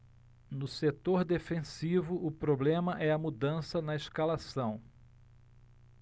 no setor defensivo o problema é a mudança na escalação